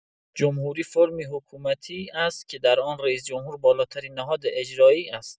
جمهوری فرمی حکومتی است که در آن رئیس‌جمهور بالاترین نهاد اجرایی است.